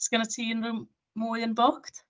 Oes gennyt ti unrhyw m- mwy yn booked?